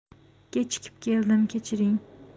kechikib keldim kechiring